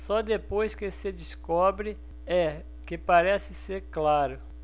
só depois que se descobre é que parece ser claro